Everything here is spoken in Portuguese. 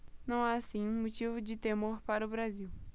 não há assim motivo de temor para o brasil